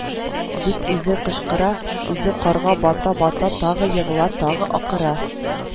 – дип үзе кычкыра, үзе карга бата-бата, тагы егыла, тагы акыра: